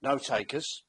No-takers.